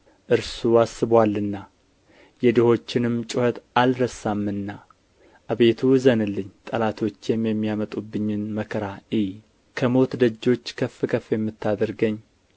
እርሱ አስቦአልና የድሆችንም ጩኸት አልረሳምና አቤቱ እዘንልኝ ጠላቶቼም የሚያመጡብኝን መከራ እይ ከሞት ደጆች ከፍ ከፍ የምታደርገኝ